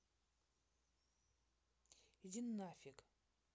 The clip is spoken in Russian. иди нафиг